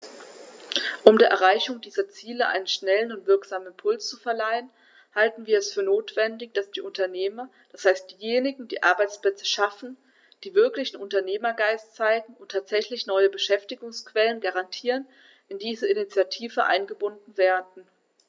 Um der Erreichung dieser Ziele einen schnellen und wirksamen Impuls zu verleihen, halten wir es für notwendig, dass die Unternehmer, das heißt diejenigen, die Arbeitsplätze schaffen, die wirklichen Unternehmergeist zeigen und tatsächlich neue Beschäftigungsquellen garantieren, in diese Initiative eingebunden werden.